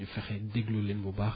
di fexe déglu leen bu baax